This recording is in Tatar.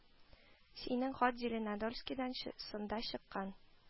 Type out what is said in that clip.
Синең хат Зеленодольскидан сында чыккан,